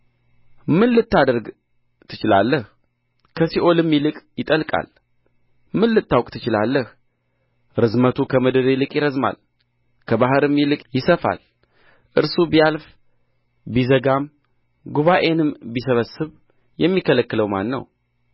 ምን ልታደርግ ትችላለህ ከሲኦልም ይልቅ ይጠልቃል ምን ልታውቅ ትችላለህ ርዝመቱ ከምድር ይልቅ ይረዝማል ከባሕርም ይልቅ ይሰፋል እርሱ ቢያልፍ ቢዘጋም ጉባኤንም ቢሰበስብ የሚከለክለው ማን ነው